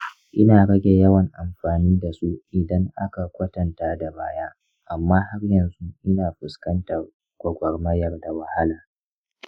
ina rage yawan amfani da su idan aka kwatanta da baya amma har yanzu ina fuskantar gwagwarmaya da wahala.